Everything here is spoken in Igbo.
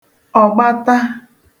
ọ̀gbata